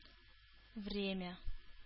Время